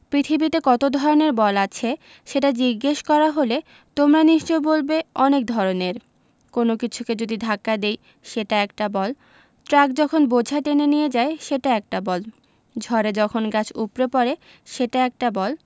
পৃথিবীতে কত ধরনের বল আছে জিজ্ঞেস করা হলে তোমরা নিশ্চয়ই বলবে অনেক ধরনের কোনো কিছুকে যদি ধাক্কা দিই সেটা একটা বল ট্রাক যখন বোঝা টেনে নিয়ে যায় সেটা একটা বল ঝড়ে যখন গাছ উপড়ে পড়ে সেটা একটা বল